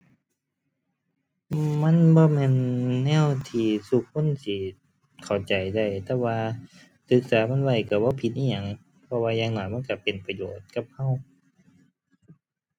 อือ มันบ่แม่นแนวที่ซุคนสิเข้าใจได้ แต่ว่าศึกษามันไว้ก็บ่ผิดอิหยัง เพราะว่าอย่างน้อยมันก็เป็นประโยชน์กับก็